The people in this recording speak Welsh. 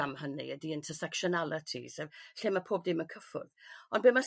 am hynny ydi intersectionalities lle ma' pob dim y cyffwrdd ond be ma'